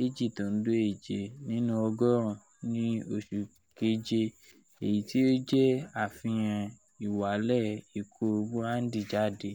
2.7 nínú ọgorun ni oṣu keje, eyi ti o jẹ afihan iwalẹ iko burandi jade.